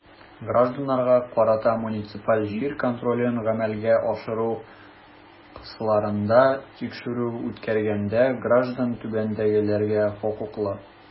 Гражданнарга карата муниципаль җир контролен гамәлгә ашыру кысаларында тикшерү үткәргәндә граждан түбәндәгеләргә хокуклы.